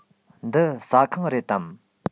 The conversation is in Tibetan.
འདི ཟ ཁང རེད དམ